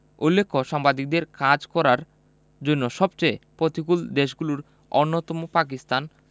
উল্লেখ্য সাংবাদিকদের কাজ করার জন্য সবচেয়ে প্রতিকূল দেশগুলোর অন্যতম পাকিস্তান